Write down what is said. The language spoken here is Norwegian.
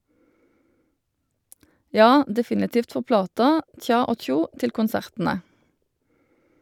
Ja, definitivt for plata, tja og tjo, til konsertene.